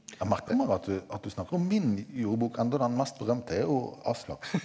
jeg merker meg at du at du snakker om min jordebok, enda den mest berømte er jo Aslaks.